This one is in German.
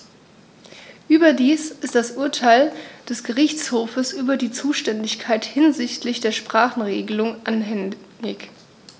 Überdies ist das Urteil des Gerichtshofes über die Zuständigkeit hinsichtlich der Sprachenregelung anhängig.